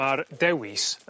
ma'r dewis